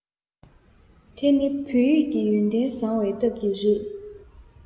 དེ ནི བོད ཡིག གི ཡོན ཏན བཟང བའི སྟབས ཀྱིས རེད